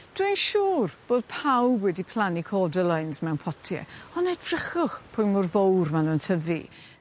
Dwi'n siŵr bod pawb wedi plannu cordylines mewn potie on' edrychwch pwy mor fowr ma' nw'n tyfu